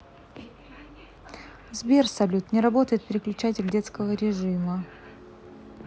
сбер салют не работает переключатель детского режима